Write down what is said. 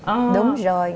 ờ đúng rồi